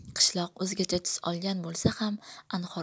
qishloq o'zgacha tus olgan bo'lsa ham anhor